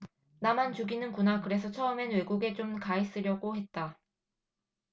나만 죽이는 구나 그래서 처음엔 외국에 좀 가있으려고 했다